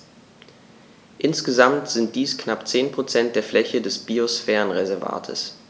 Insgesamt sind dies knapp 10 % der Fläche des Biosphärenreservates.